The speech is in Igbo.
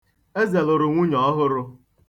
Eze lụrụ nwunye ọhụrụ.